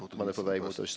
.